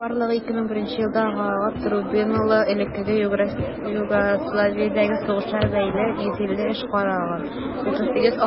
Барлыгы 2001 елдан Гаага трибуналы элеккеге Югославиядәге сугышлар белән бәйле 150 эш караган; 38 кеше акланган.